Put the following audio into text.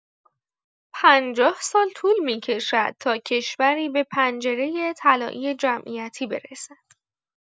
۵۰ سال طول می‌کشد تا کشوری به پنجره طلایی جمعیتی برسد.